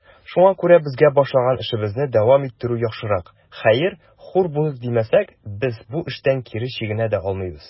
Шуңа күрә безгә башлаган эшебезне дәвам иттерү яхшырак; хәер, хур булыйк димәсәк, без бу эштән кире чигенә дә алмыйбыз.